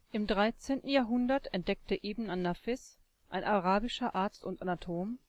Im 13. Jahrhundert entdeckte Ibn an-Nafis, ein arabischer Arzt und Anatom